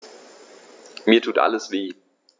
Mir tut alles weh.